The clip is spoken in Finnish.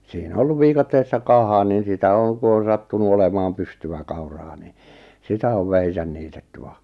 siinä on ollut viikatteessa kaha niin sitä on kun on sattunut olemaan pystyä kauraa niin sitä on vähinsä niitetty vaan